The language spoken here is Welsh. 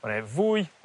ma' 'ne fwy